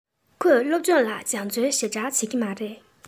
ཁོས སློབ སྦྱོང ལ སྦྱོང བརྩོན ཞེ དྲགས བྱེད ཀྱི མ རེད